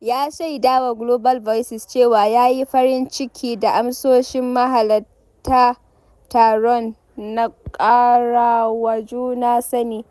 Ya shaida wa Global Voices cewa yayi farin ciki da amsoshin mahalarta taron na ƙarawa juna sani,